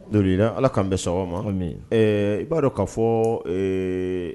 Don ala k'an bɛ sɔgɔma i b'a dɔn ka fɔ